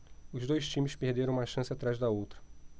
os dois times perderam uma chance atrás da outra